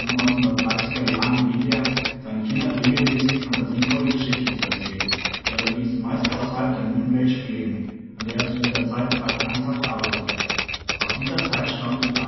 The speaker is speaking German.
1930er Jahren beginnt er, seinen Kindern regelmäßig fantasievolle Geschichten zu erzählen, die allerdings meist außerhalb der Mythenwelt spielen, an der er zu dieser Zeit bereits ernsthaft arbeitet. Aus dieser Zeit stammt unter